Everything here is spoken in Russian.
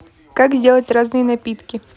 как сделать разные напитки